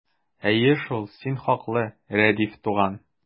Әйе шул, син хаклы, Рәдиф туган!